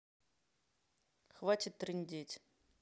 хватит трындеть